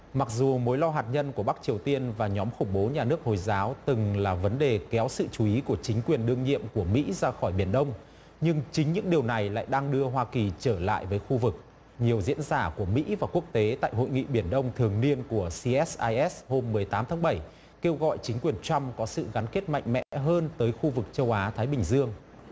mặc dù mối lo hạt nhân của bắc triều tiên và nhóm khủng bố nhà nước hồi giáo từng là vấn đề kéo sự chú ý của chính quyền đương nhiệm của mỹ ra khỏi biển đông nhưng chính những điều này lại đang đưa hoa kỳ trở lại với khu vực nhiều diễn giả của mỹ và quốc tế tại hội nghị biển đông thường niên của xi ét ai ét hôm mười tám tháng bảy kêu gọi chính quyền trăm có sự gắn kết mạnh mẽ hơn tới khu vực châu á thái bình dương